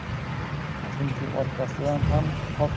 chunki orqasidan ham qop